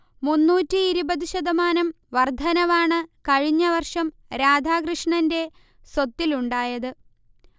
മുന്നൂറ്റി ഇരുപത് ശതമാനം വർദ്ധനവാണ് കഴിഞ്ഞ വർഷം രാധാകൃഷ്ണന്റെ സ്വത്തിലുണ്ടായത്